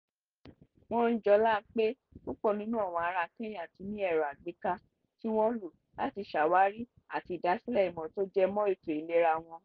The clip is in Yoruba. Wọ́n ń jọlá pé púpọ̀ nínú àwọn ará Kenya tí n ní ẹ̀rọ àgbéká, tí wọ́n lò ó láti ṣe àwárí àtí ìdásílẹ̀ ìmọ̀ tó jẹ mọ́ ètò ìlera wọn